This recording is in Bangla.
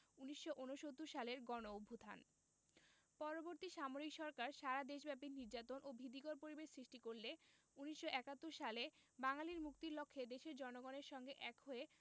১৯৬৯ সালের গণঅভ্যুত্থান পরবর্তী সামরিক সরকার সারা দেশব্যাপী নির্যাতন ও ভীতিকর পরিবেশ সৃষ্টি করলে ১৯৭১ সালে বাঙালির মুক্তির লক্ষ্যে দেশের জনগণের সঙ্গে এক হয়ে